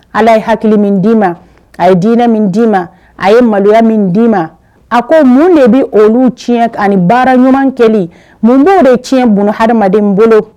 Ala ye hakili min d'i ma a ye diinɛ min d'i ma a ye maloya min d'i ma a ko mun de bɛ olu tiɲɛ ani baara ɲuman kɛli mun bɛ o de tiɲɛ bunadamaden bolo.